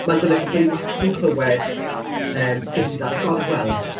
Ma'n golygu bod ni wastad yn clywed, yym, be sydd ar y gorwel.